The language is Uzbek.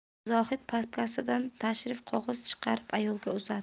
zohid papkasidan tashrif qog'oz chiqarib ayolga uzatdi